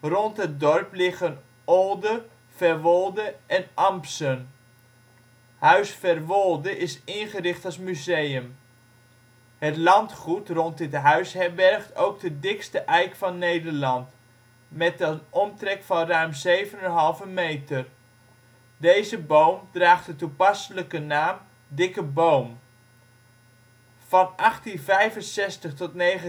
Rond het dorp liggen Oolde, Verwolde en Ampsen. Huis Verwolde is ingericht als museum. Het landgoed rond dit huis herbergt ook de dikste eik van Nederland, met een omtrek van ruim 7,5 meter. Deze boom draagt de toepasselijke naam " Dikke Boom ". Van